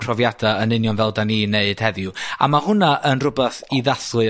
profiada yn union fel 'dan ni'n neud heddiw, a ma' hwnna yn rwbeth i ddathlu